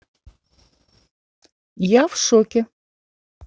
я в шоке